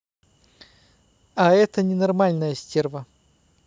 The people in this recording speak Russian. а это ненормальная стерва